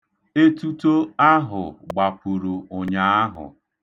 Etuto ahụ gbapuru ụnyaahụ.